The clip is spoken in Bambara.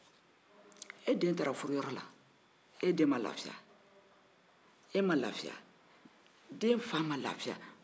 e den taara furu la e ma lafiya e den ma lafiya chaque une autre parole